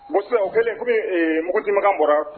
Mosi o kɛlen de kɔmi mugutigimagan bɔra